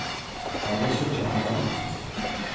kann eg síggja handan